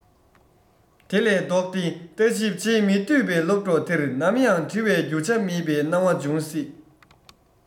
དེ ལས ལྡོག ཏེ ལྟ ཞིབ བྱེད མི འདོད པའི སློབ གྲོགས དེར ནམ ཡང བྲི བའི རྒྱུ ཆ མེད པའི སྣང བ འབྱུང སྲིད